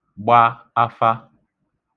gba afa